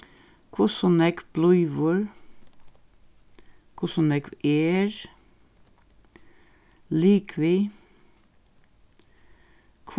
hvussu nógv blívur hvussu nógv er ligvið